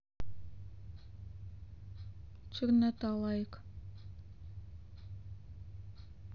чернота лайк